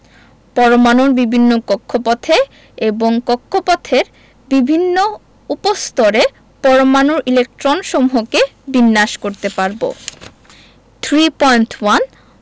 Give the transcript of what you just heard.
পরমাণুর বিভিন্ন কক্ষপথে এবং কক্ষপথের বিভিন্ন উপস্তরে পরমাণুর ইলেকট্রনসমূহকে বিন্যাস করতে পারব 3.1